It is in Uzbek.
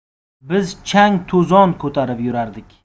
biz chang to'zon ko'tarib yurardik